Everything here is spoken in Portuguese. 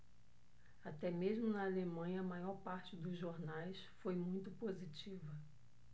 até mesmo na alemanha a maior parte dos jornais foi muito positiva